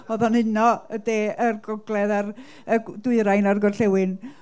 Oedd o'n uno y De y Gogledd a'r y Dwyrain a'r Gorllewin,